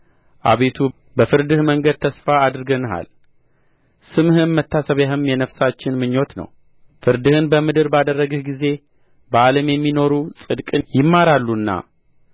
አቤቱ በፍርድህ መንገድ ተስፋ አድርገንሃል ስምህም መታሰቢያህም የነፍሳችን ምኞት ነው ፍርድህን በምድር ባደረግህ ጊዜ በዓለም የሚኖሩት ጽድቅን ይማራሉና